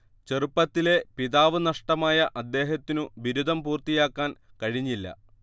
ചെറുപ്പത്തിലേ പിതാവ് നഷ്ടമായ അദ്ദേഹത്തിനു ബിരുദം പൂർത്തിയാക്കാൻ കഴിഞ്ഞില്ല